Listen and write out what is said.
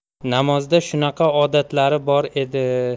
namozda shunaqa odatlari bor edi